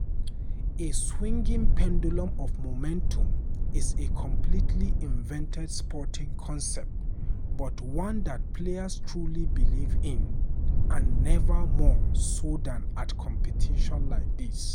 The swinging pendulum of momentum is a completely invented sporting concept but one that players truly believe in, and never more so than at competitions like these.